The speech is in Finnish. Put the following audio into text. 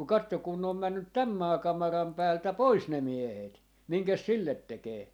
mutta katso kun ne on mennyt tämän maakamaran päältä pois ne miehet minkäs sille tekee